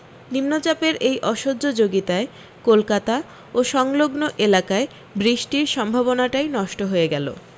নিম্নচাপের এই অসহ্যযগিতায় কলকাতা ও সংলগ্ন এলাকায় বৃষ্টির সম্ভাবনাটাই নষ্ট হয়ে গেল